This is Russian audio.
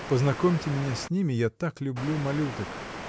— Познакомьте меня с ними: я так люблю малюток.